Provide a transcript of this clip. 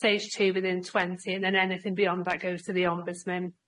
Stage two, within twenty, and then anything beyond that goes to the ombudsman.